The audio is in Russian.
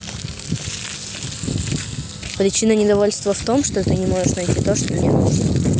причина недовольства в том что ты не можешь найти то что мне нужно